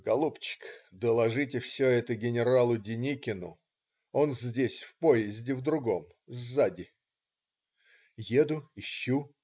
"Голубчик, доложите все это генералу Деникину, он здесь в поезде, в другом, сзади. " Еду, ищу.